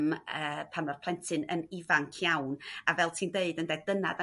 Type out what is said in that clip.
yym ee pan ma'r plentyn yn ifanc iawn a fel ti'n d'eud ynde? Dyna 'da